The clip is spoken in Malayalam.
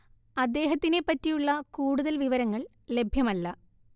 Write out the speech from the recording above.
അദ്ദേഹത്തിനെ പറ്റിയുള്ള കൂടുതൽ വിവരങ്ങൾ ലഭ്യമല്ല